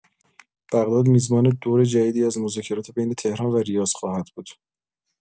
بغداد، میزبان دور جدیدی از مذاکرات بین تهران و ریاض خواهد بود.